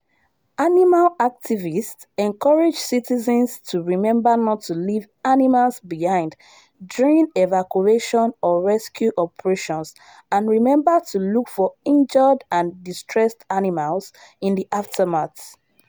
Animal activists encourage citizens to remember not to leave animals behind during evacuation or rescue operations and remember to look for injured and distressed animals in the aftermath.